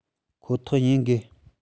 ཁོ ཐག ཡིན དགོས